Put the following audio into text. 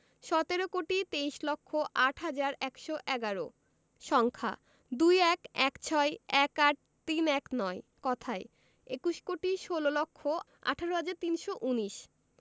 সতেরো কোটি তেইশ লক্ষ আট হাজার একশো এগারো সংখ্যাঃ ২১ ১৬ ১৮ ৩১৯ কথায়ঃ একুশ কোটি ষোল লক্ষ আঠারো হাজার তিনশো উনিশ